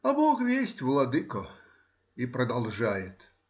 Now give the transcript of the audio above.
— А бог весть, владыко,— и продолжает